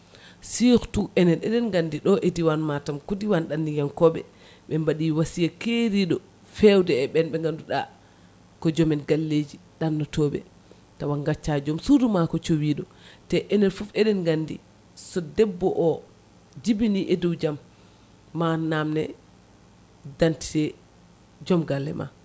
surtout enen eɗen gandi ɗo e diwan Matam ko diwan ɗaddiyankoɓe ɓe mbaɗi wasiya keeriɗo fewde e ɓen ɓe ganduɗa ko joom en galleji ɗannotoɓe tawa gacca joom suudu ma ko sowiɗo te enen foof eɗen gandi so debbo o jibini e dow jaam ma namde d' identité joom galle ma